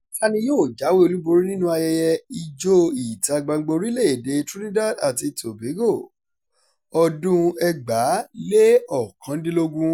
‪Ta ni yóò jáwé olúborí nínú Ayẹyẹ ijó ìta-gbangba orílẹ̀-èdè Trinidad àti Tobago ọdún-un 2019?‬